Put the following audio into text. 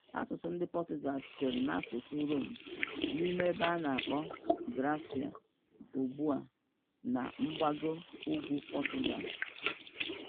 Asụsụ ndị Portugal sitere n'asụsụ Rome n'ime ebe a na-akpọ Galicia ugbu a na mgbago ugwu Portugal.